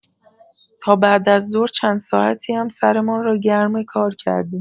تا بعد از ظهر چند ساعتی هم سرمان را گرم کار کردیم.